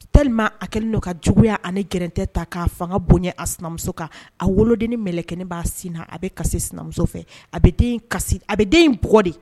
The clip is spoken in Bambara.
Tali a kɛlen ka juguya ani g tɛ ta k'a fanga bonya a sinamuso kan a woloden ni m kɛ b'a sin a bɛ kasi sinamuso fɛ a bɛ a bɛ den in bugɔgɔ de